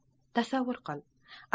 tasavvur qil